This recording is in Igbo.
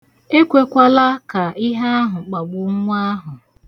Ekwekwala ka ihe ahụ kpagbuo nwa ahụ.